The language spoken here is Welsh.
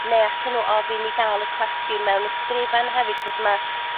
Neu allan n'w ofyn i gal y cwestiwn mewn ysgrifen hefyd 'c'os ma'